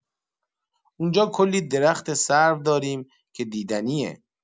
اونجا کلی درخت سرو داریم که دیدنیه.